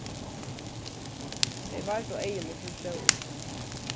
tey vardu eyguni fyri sólini